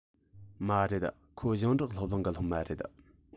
མ རེད ཁོ ཞིང འབྲོག སློབ གླིང གི སློབ མ རེད